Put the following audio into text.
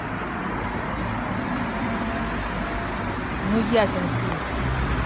ну ясен хуй